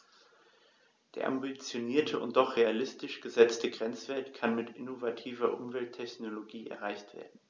Der ambitionierte und doch realistisch gesetzte Grenzwert kann mit innovativer Umwelttechnologie erreicht werden.